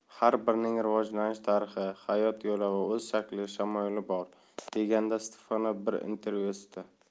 har birining rivojlanish tarixi hayot yo'li va o'z shakli shamoyili bor degandi stefano bir intervyusida